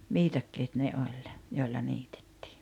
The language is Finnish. viikatteet ne oli joilla niitettiin